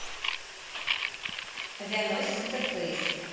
авианосец интерфейс